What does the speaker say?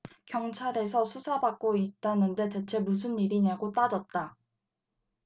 경찰에서 수사받고 있다는데 대체 무슨 일이냐고 따졌다